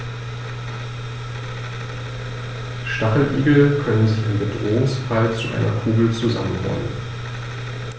Stacheligel können sich im Bedrohungsfall zu einer Kugel zusammenrollen.